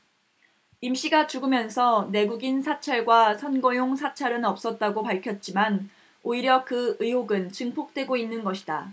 임씨가 죽으면서 내국인 사찰과 선거용 사찰은 없었다고 밝혔지만 오히려 그 의혹은 증폭되고 있는 것이다